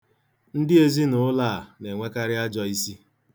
Ndị ezinụlọ a na-enwekarị ajọisi.